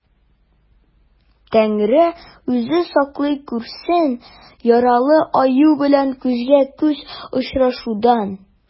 Тәңре үзе саклый күрсен яралы аю белән күзгә-күз очрашудан.